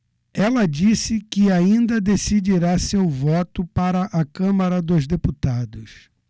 ela disse que ainda decidirá seu voto para a câmara dos deputados